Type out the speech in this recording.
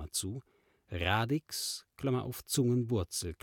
Zungenrücken) Radix (Zungenwurzel